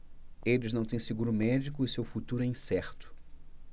eles não têm seguro médico e seu futuro é incerto